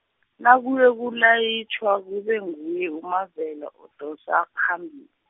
nakuyokulayitjhwa kuba nguye uMavela adosa, phambili.